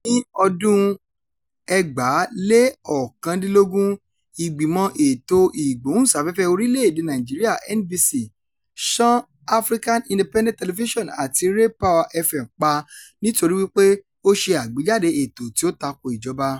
Ní ọdún-un 2019, Ìgbìmọ̀ Ètò Ìgbóhùnsáfẹ́fẹ́ Orílẹ̀-èdèe Nàìjíríà (NBC) ṣán African Independent Television àti RayPower FM pa nítorí wípé ó ṣe àgbéjáde ètò tí ó tako ìjọba.